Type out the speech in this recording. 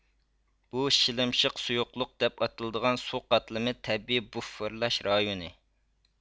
بۇ شىلىمشىق سۇيۇقلۇق دەپ ئاتىلىدىغان سۇ قاتلىمى تەبىئىي بۇففېرلاش رايونى